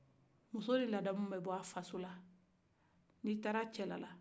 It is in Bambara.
muso ni ladamu bɛ bɔ a faso la ka t'a cɛla la